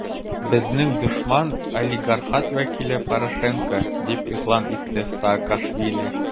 Безнең дошман - олигархат вәкиле Порошенко, - дип игълан итте Саакашвили.